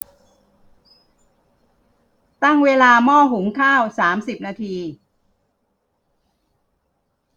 ตั้งเวลาหม้อหุงข้าวสามสิบนาที